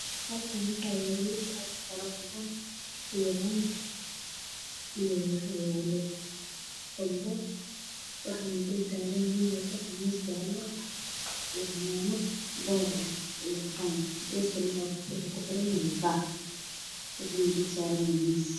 Meeshaan waxaa yaalla yuus waxa saaran ku xiran bac zakaal caddaan nin ayaa ku fadhiya oo wata cimaamad shati maciis